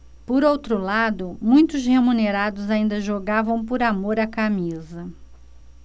por outro lado muitos remunerados ainda jogavam por amor à camisa